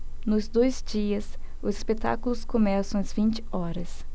nos dois dias os espetáculos começam às vinte horas